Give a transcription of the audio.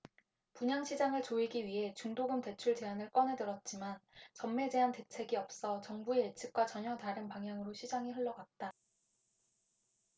분양시장을 조이기 위해 중도금 대출 제한을 꺼내들었지만 전매제한 대책이 없어 정부의 예측과 전혀 다른 방향으로 시장이 흘러갔다